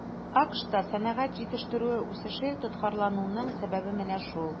АКШта сәнәгать җитештерүе үсеше тоткарлануның сәбәбе менә шул.